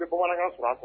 I tɛ bamanankan sɔrɔ